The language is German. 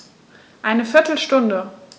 Eine viertel Stunde